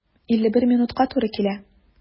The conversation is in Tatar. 51 минутка туры килә.